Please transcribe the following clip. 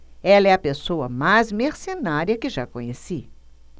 ela é a pessoa mais mercenária que já conheci